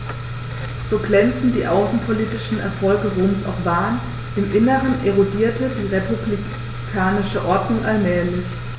So glänzend die außenpolitischen Erfolge Roms auch waren: Im Inneren erodierte die republikanische Ordnung allmählich.